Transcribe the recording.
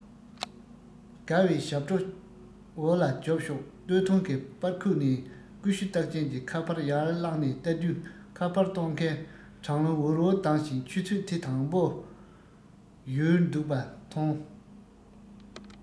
དགའ བའི ཞབས བྲོ འོ ལ རྒྱོབས ཤོག སྟོད ཐུང གི པར ཁུག ནས ཀུ ཤུ རྟགས ཅན གྱི ཁ པར ཡར བླངས ནས ལྟ དུས ཁ པར གཏོང མཁན གྲང རླུང འུར འུར ལྡང བཞིན ཆུ ཚོད དེ དང པོ ཡོལ འདུག པ མཐོང